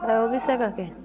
ɔhɔ o bɛ se ka kɛ